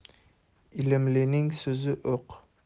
ilmlining so'zi o'q